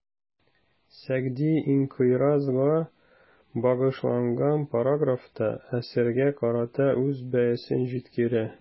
Сәгъди «инкыйраз»га багышланган параграфта, әсәргә карата үз бәясен җиткерә.